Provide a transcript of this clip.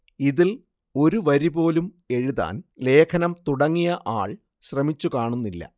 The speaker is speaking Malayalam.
ഇതിൽ ഒരു വരി പോലും എഴുതാൻ ലേഖനം തുടങ്ങിയ ആൾ ശ്രമിച്ചു കാണുന്നില്ല